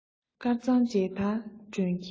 དཀར གཙང མཇལ དར སྒྲོན གྱིན